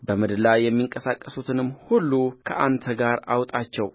በምድር ላይ የሚንቀሳቀሱትንም ሁሉ ከአንተ ጋር አውጣቸው